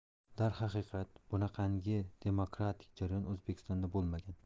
darhaqiqat bunaqangi demokratik jarayon o'zbekistonda bo'lmagan